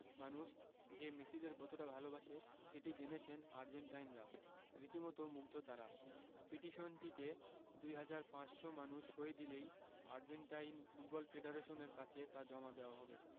মানুষ যে মেসিদের কতটা ভালোবাসে সেটি জেনেছেন আর্জেন্টাইনরা রীতিমতো মুগ্ধ তাঁরা পিটিশনটিতে ২ হাজার ৫০০ মানুষ সই দিলেই আর্জেন্টাইন ফুটবল ফেডারেশনের কাছে তা জমা দেওয়া হবে